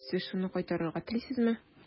Сез шуны кайтарырга телисезме?